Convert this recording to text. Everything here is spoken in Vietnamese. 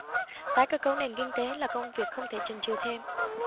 tái cơ cấu nền kinh tế là công việc không thể chần chừ thêm